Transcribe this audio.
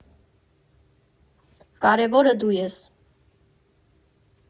Կարևորը դու ես։